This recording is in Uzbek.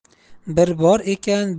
bir bor ekan